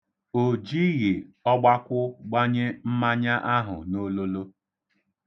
O jighị ọgbakwụ gbanye mmanya ahụ n'ololo.